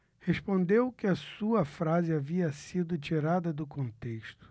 respondeu que a sua frase havia sido tirada do contexto